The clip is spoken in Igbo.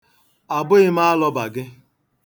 Abụghị m alọba gị.